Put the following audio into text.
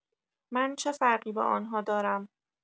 من چه فرقی با آنها دارم؟